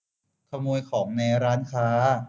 ขโมยของในร้านค้า